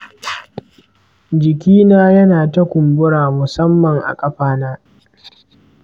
jikina yana ta kumbura musamman a ƙafa na